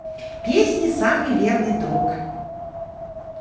песни самый верный друг